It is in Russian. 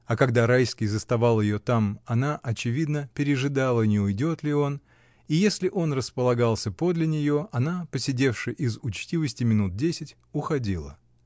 А когда Райский заставал ее там, она очевидно пережидала, не уйдет ли он, и если он располагался подле нее, она, посидевши из учтивости минут десять, уходила.